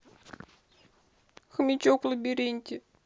хомячок в лабиринте